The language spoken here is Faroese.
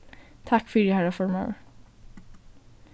takk fyri harra formaður